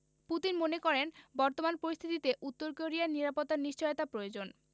Putin মনে করেন বর্তমান পরিস্থিতিতে উত্তর কোরিয়ার নিরাপত্তার নিশ্চয়তা প্রয়োজন